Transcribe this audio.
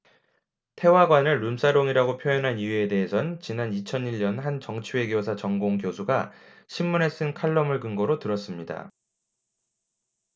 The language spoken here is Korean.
태화관을 룸살롱이라고 표현한 이유에 대해선 지난 이천 일 년 한 정치외교사 전공 교수가 신문에 쓴 칼럼을 근거로 들었습니다